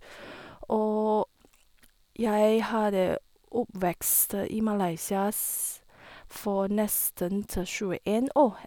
Og jeg hadde oppvekst i Malaysia s for nesten te tjueen år.